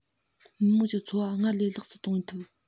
མི དམངས ཀྱི འཚོ བ སྔར ལས ལེགས སུ གཏོང ཐུབ